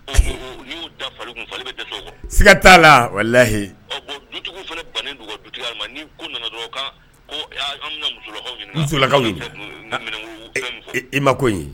U b'o da fali kun fali bɛ dɛsɛ a kɔrɔ, siga t'a la walahi, dutigiw fana bannen don u ka dutigiya ma ni ko nana dɔrɔn ko an bɛna musolakaw ɲininka, i ma ko ye